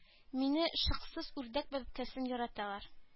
Мине шыксыз үрдәк бәбкәсен яраталар